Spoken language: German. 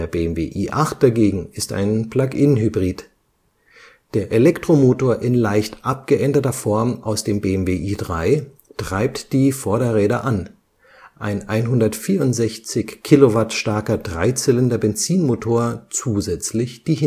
Der i8 dagegen ist ein Plugin-Hybrid. Der Elektromotor in leicht abgeänderter Form aus dem i3 treibt die Vorderräder an, ein 164 kW starker Dreizylinder-Benzinmotor zusätzlich die